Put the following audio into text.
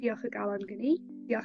diolch o galon gen i, diolch...